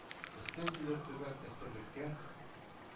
Өстен килер түбән әсирлеккә